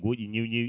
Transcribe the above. gooƴi ñewñewi